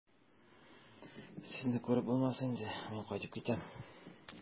Сезне күреп булмас инде, мин кайтып китәм.